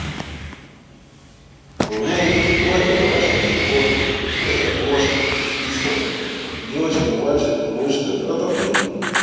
у меня есть двое домашних животных это кошка искорка девочка и мальчик мышка рататуй